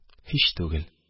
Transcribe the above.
Һич түгел